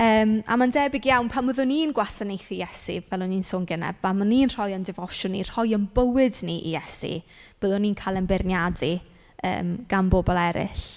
Yym a mae'n debyg iawn pan fyddwn ni'n gwasanaethu Iesu fel o'n i'n sôn gynnau, ni'n rhoi ein defosiwn ni rhoi ein bywyd ni Iesu, byddwn ni'n cael ein beirniadu yym gan bobl eraill.